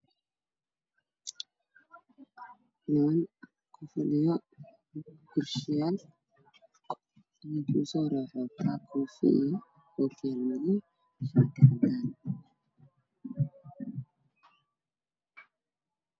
Waa niman fadhiyaan howl waxay ka fadhiyaan kuras cadaan ninka usoo horeeyo wuxuu wataa shati khamiis fuluug